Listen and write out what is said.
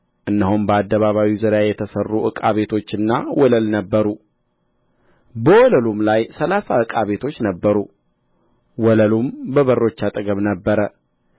እነሆም በአደባባዩ ዙሪያ የተሠሩ ዕቃ ቤቶችና ወለል ነበሩ በወለሉም ላይ ሠላሳ ዕቃ ቤቶች ነበሩ ወለሉም በበሮች አጠገብ ነበረ